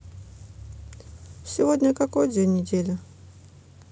сегодня какой день недели